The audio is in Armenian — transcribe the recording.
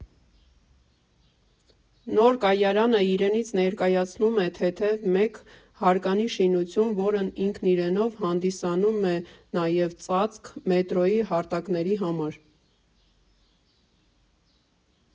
Նոր կայարանը իրենից ներկայացնում է թեթև, մեկ հարկանի շինություն, որն ինքն իրենով հանդիսանում է նաև ծածկ մետրոյի հարթակների համար։